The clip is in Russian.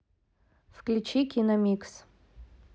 включи киномикс